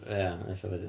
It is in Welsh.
Ia, ella wedyn.